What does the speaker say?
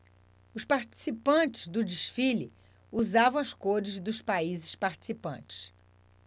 os participantes do desfile usavam as cores dos países participantes